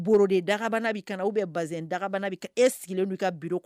Dagabana bɛ u bɛ dagabana e sigilen ka kɔnɔ